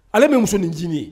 Ale bɛ musosonincinin ye